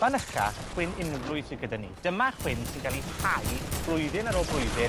Fan ycha, chwyn unflwydd sy gyda ni. Dyma chwyn sy'n ga'l 'u hau blwyddyn ar ôl blwyddyn